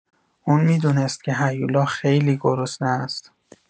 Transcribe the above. اون می‌دونست که هیولا خیلی گرسنه است.